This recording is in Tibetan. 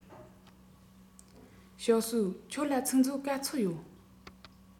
ཞའོ སུའུ ཁྱོད ལ ཚིག མཛོད ག ཚོད ཡོད